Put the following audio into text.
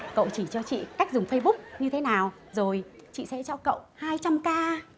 cậu chỉ cho chị cách dùng phây búc như thế nào rồi chị sẽ cho cậu hai trăm ca